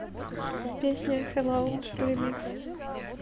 песня hello remix